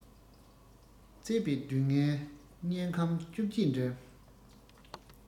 བཙས པའི སྡུག སྔལ མྱལ ཁམས བཅོ བརྒྱད འགྲིམ